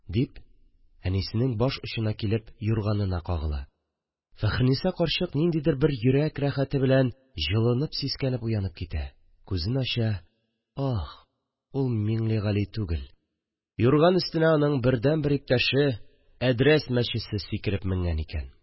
– дип әнисенең баш очына килеп юрганына кагыла, фәхерниса карчык ниндидер бер йөрәк рәхәте белән җылынып сискәнеп уянып китә, күзен ача – аһ, ул миңлегали түгел, юрган өстенә аның бердәнбер иптәше – әдрәс мәчесе сикереп менгән икән